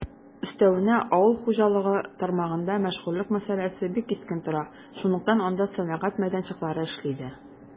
Өстәвенә, авыл хуҗалыгы тармагында мәшгульлек мәсьәләсе бик кискен тора, шунлыктан анда сәнәгать мәйданчыклары эшли дә.